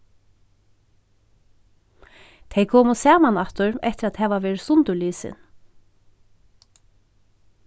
tey komu saman aftur eftir at hava verið sundurlisin